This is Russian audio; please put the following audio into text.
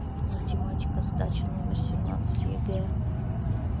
математика задача номер семнадцать егэ